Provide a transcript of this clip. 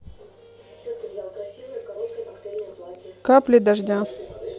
капли дождя